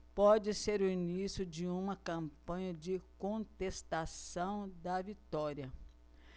pode ser o início de uma campanha de contestação da vitória